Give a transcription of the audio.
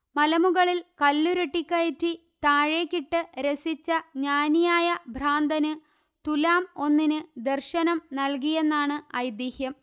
മലമുകളിൽ കല്ലുരുട്ടിക്കയറ്റി താഴേക്കിട്ട് രസിച്ച ജ്ഞാനിയായ ഭ്രാന്തന് തുലാം ഒന്നിൻദർശനം നല്കിയെന്നാണ് ഐതിഹ്യം